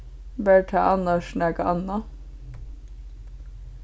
var tað annars nakað annað